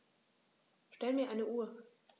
Stell mir eine Uhr.